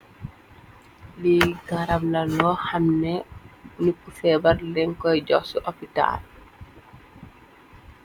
Li garap la lo xam neh nit ku fèbarr lèèn koy jox ci opital.